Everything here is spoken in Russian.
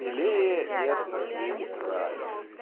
"Милее нет на свете края.